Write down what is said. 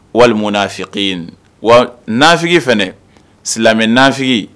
Walimafin e wa naanifi fana silamɛ naanif